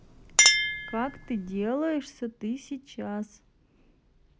как ты делаешься ты сейчас